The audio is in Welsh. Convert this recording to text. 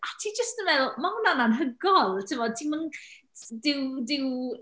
A ti jyst yn meddwl, ma' hwnna'n anhygoel. Ti'mod, ti'm yn s- dyw dyw...